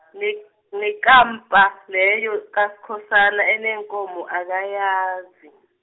ne- nekampa, leyo, kaSkhosana eneenkomo akayazi.